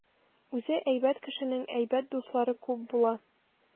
Үзе әйбәт кешенең әйбәт дуслары күп була.